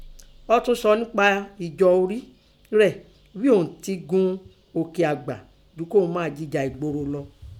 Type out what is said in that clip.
Ọ́ tún sọ ńpa ijọ́ orí rẹ̀ ghíi òun tẹ gun òkè àgbà ju kín òun mía jìjà ìgboro lọ.